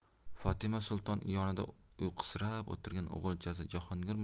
fotima sulton yonida uyqusirab o'tirgan o'g'ilchasi jahongir